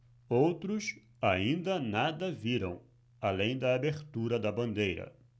outros ainda nada viram além da abertura da bandeira